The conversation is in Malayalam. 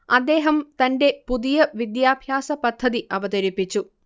അദ്ദേഹം തന്റെ പുതിയ വിദ്യാഭ്യാസപദ്ധതി അവതരിപ്പിച്ചു